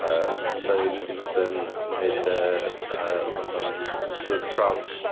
Yym, dan ni mynd i fod yn wneud, yy yy, wbath am y Tour de France.